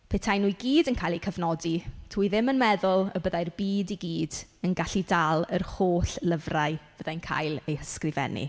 Petai nhw i gyd yn cael eu cofnodi, dwi ddim yn meddwl y byddai'r byd i gyd yn gallu dal yr holl lyfrau fyddai'n cael eu hysgrifennu.